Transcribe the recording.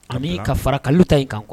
A'i ka fara kalo ta yen kan